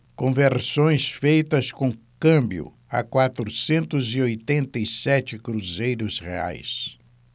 conversões feitas com câmbio a quatrocentos e oitenta e sete cruzeiros reais